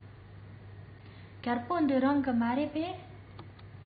དཀར པོ འདི རང གི མ རེད པས